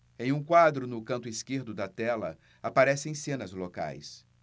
em um quadro no canto esquerdo da tela aparecem cenas locais